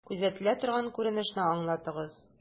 Күзәтелә торган күренешне аңлатыгыз.